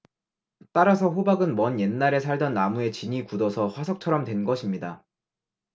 따라서 호박은 먼 옛날에 살던 나무의 진이 굳어서 화석처럼 된 것입니다